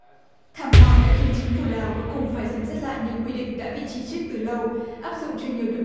thảm họa đã khiến chính phủ lào cuối cùng phải xem xét lại những quy định đã bị chỉ trích từ lâu áp dụng cho nhiều đập